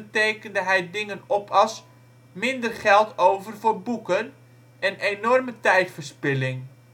tekende hij dingen op als " minder geld over voor boeken " en " enorme tijdverspilling